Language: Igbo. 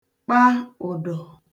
kpa ụ̀dọ̀